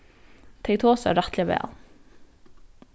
tey tosa rættiliga væl